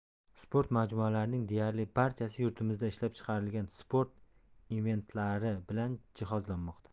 sport majmualarining deyarli barchasi yurtimizda ishlab chiqarilgan sport inventarlari bilan jihozlanmoqda